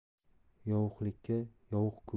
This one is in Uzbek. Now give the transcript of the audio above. yovuqlikka yovuq ku